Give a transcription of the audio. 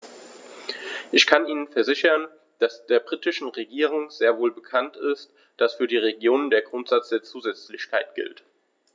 Ich kann Ihnen versichern, dass der britischen Regierung sehr wohl bekannt ist, dass für die Regionen der Grundsatz der Zusätzlichkeit gilt.